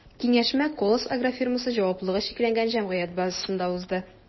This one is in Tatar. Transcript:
Киңәшмә “Колос” агрофирмасы” ҖЧҖ базасында узды.